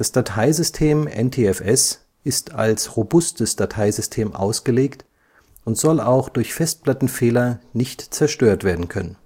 Dateisystem NTFS ist als robustes Dateisystem ausgelegt und soll auch durch Festplattenfehler nicht zerstört werden können